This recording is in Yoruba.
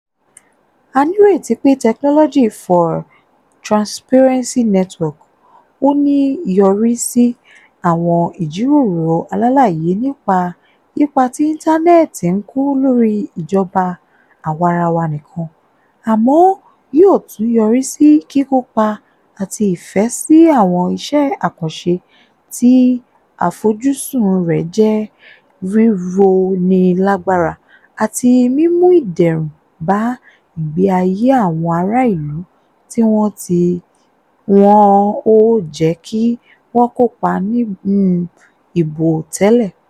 A nírètí pé Technology for Transparency Network ò ní yọrí sí àwọn ìjíròrò alálàyé nípa ipa tí Íńtánẹ́ẹ̀tì ń kó lórí ìjọba àwarawa nìkan, àmọ́ yóò tún yọrí sí kíkópa àti ìfẹ́ sí àwọn iṣẹ́ àkànṣe tí àfojúsùn rẹ̀ jẹ̀ rírónilágbára àti mímú ìdẹ̀rùn bá ìgbé ayé àwọn ará ìlú tí wọn tí wọn ò jẹ́ kí wọn kópa nínú ìbò tẹ́lẹ̀.